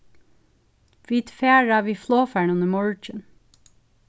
vit fara við flogfarinum í morgin